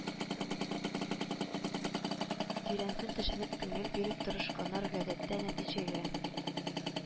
Тирәнтен төшенеп, күңел биреп тырышканнар, гадәттә, нәтиҗәгә